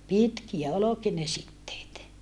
pitkiä olikin ne siteet